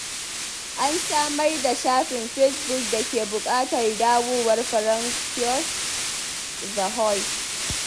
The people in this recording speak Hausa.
An samar da shafin Fesbuk da ke buƙatar dawowar François Zahoui.